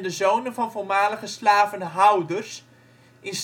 zonen van voormalige slavenhouders in